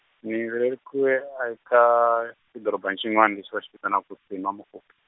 ni velekiwe aka, xi doroba xin'wani lexi va xi vitanaka Senwamokgop-.